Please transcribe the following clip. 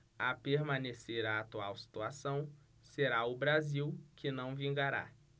a permanecer a atual situação será o brasil que não vingará